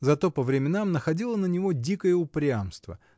зато по временам находило на него дикое упрямство